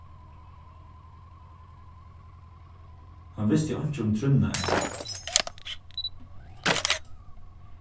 hann visti einki um trúnna enn